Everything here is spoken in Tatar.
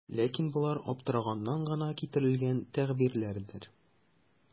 Ләкин болар аптыраганнан гына китерелгән тәгъбирләрдер.